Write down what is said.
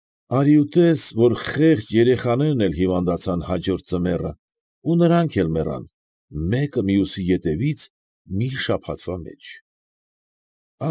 Արի տես, որ այդ խեղճ երեխաներն էլ հիվանդացան հաջորդ ձմեռը ու նրանք էլ մեռան՝ մեկը մյուսի ետևից, մի շաբաթվա մեջ։